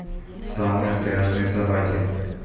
самые страшные собаки